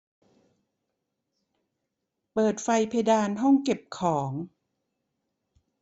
เปิดไฟเพดานห้องเก็บของ